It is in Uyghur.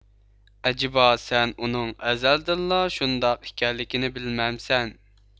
ئەجابە سەن ئۇنىڭ ئەزەلدىنلا شۇنداق ئىكەنلىكىنى بىلمەمسەن